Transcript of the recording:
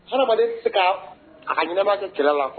Adamadama se ka a ka ɲɛnabakɛ kɛlɛ la